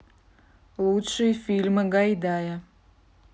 лучшие фильмы гайдая